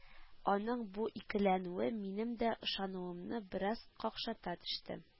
Аның бу икеләнүе минем дә ышануымны бераз какшата төште